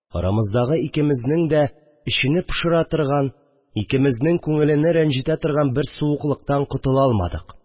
Арамыздагы икемезнең дә эчене пошыра торган, икемезнең күңелене рәнҗетә торган бер суыклыктан котыла алмадык